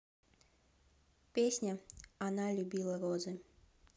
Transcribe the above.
песня она любила розы